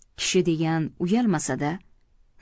kishi degan uyalmasa da